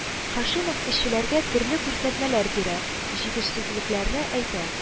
Һашимов эшчеләргә төрле күрсәтмәләр бирә, җитеш-сезлекләрне әйтә